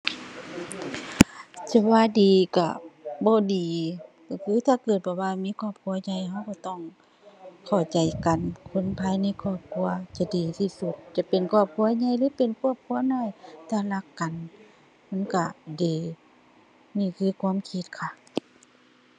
จะว่าดีก็บ่ดี ก็คือถ้าเกิดแบบว่ามีครอบครัวใหญ่ก็ก็ต้องเข้าใจกันคนภายในครอบครัวจะดีที่สุด จะเป็นครอบครัวใหญ่ หรือเป็นครอบครัวน้อยถ้ารักกันมันก็ดี นี่คือความคิดค่ะ